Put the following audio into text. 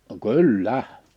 no kyllä